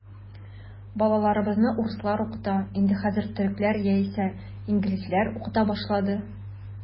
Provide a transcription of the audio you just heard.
Балаларыбызны урыслар укыта, инде хәзер төрекләр яисә инглизләр укыта башлады.